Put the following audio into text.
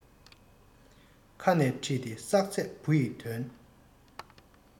ཁ ནས ཕྲིས ཏེ བསགས ཚད བུ ཡི དོན